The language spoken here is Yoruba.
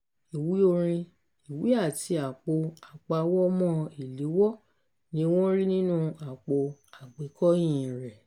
Ìwé orin, ìwé àti àpò-àpawómọ́-ìléwọ́ ni wọ́n rí nínú àpò-àgbékọ́yìn-in rẹ̀.